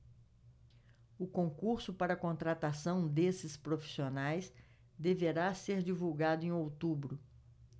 o concurso para contratação desses profissionais deverá ser divulgado em outubro